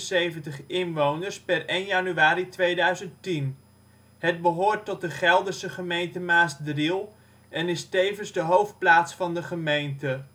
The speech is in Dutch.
7175 inwoners (per 1 januari 2010). Het behoort tot de Gelderse gemeente Maasdriel en is tevens de hoofdplaats van de gemeente